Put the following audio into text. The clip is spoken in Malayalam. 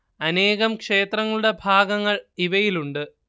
അനേകം ക്ഷേത്രങ്ങളുടെ ഭാഗങ്ങൾ ഇവയിലുണ്ട്